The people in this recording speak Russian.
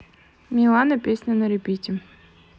милана песня на репите